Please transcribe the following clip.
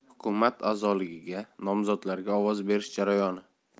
hukumat a'zoligiga nomzodlarga ovoz berish jarayoni